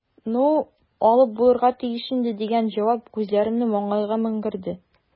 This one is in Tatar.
"ну, алып булырга тиеш инде", – дигән җавап күзләремне маңгайга менгерде.